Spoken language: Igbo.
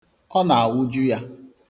Ọ na-awụju ya.